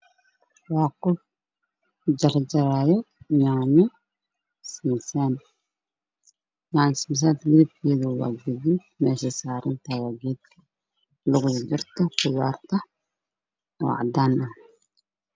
Waa yaanyo waxaa jar jaraayo qof